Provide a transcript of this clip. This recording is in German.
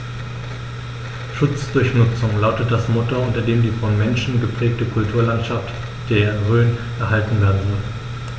„Schutz durch Nutzung“ lautet das Motto, unter dem die vom Menschen geprägte Kulturlandschaft der Rhön erhalten werden soll.